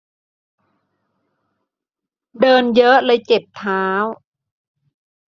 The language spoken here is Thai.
เดินเยอะเลยเจ็บเท้า